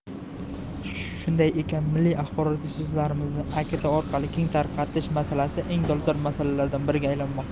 shunday ekan milliy axborot resurslarimizni akt orqali keng tarqatish masalalasi eng dolzarb masalalardan biriga aylanmoqda